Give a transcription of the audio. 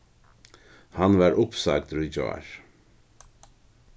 hann varð uppsagdur í gjár